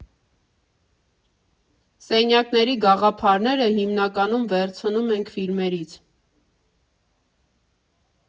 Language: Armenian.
Սենյակների գաղափարները հիմնականում վերցնում ենք ֆիլմերից.